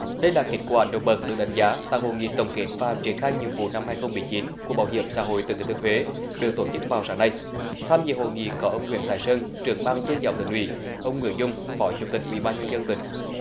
đây là kết quả nổi bật được đánh giá tại hội nghị tổng kết và triển khai nhiệm vụ năm hai không mười chín của bảo hiểm xã hội tỉnh thừa thiên huế được tổ chức vào sáng nay tham dự hội nghị có ông nguyễn thái sơn trưởng ban tuyên giáo tỉnh ủy ông nguyễn dung phó chủ tịch ủy ban nhân dân tỉnh